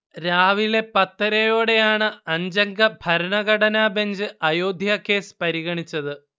രാവിലെ പത്തരയോടെയാണ് അഞ്ചംഗ ഭരണഘടനാബഞ്ച് അയോധ്യ കേസ് പരിഗണിച്ചത്